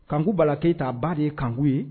Kanku bala keyitata ba de ye kanku ye